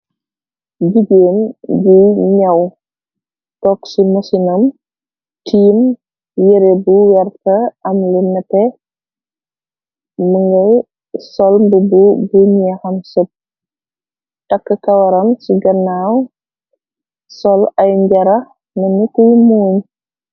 Jigèen ji ñaw, tokci mësinam tiim yeree bu werta, am li nate mi ngay solmbu bu bu ñeexam sep, akk kawaram ci gannaaw, sol ay njarax na nitiy muuñ.